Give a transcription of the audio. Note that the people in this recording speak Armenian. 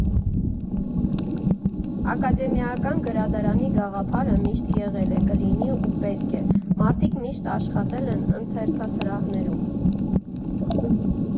Ակադեմիական գրադարանի գաղափարը միշտ եղել է, կլինի ու պետք է, մարդիկ միշտ աշխատել են ընթերցասրահներում։